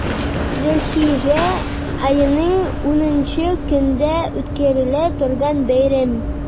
Зөлхиҗҗә аеның унынчы көнендә үткәрелә торган бәйрәм.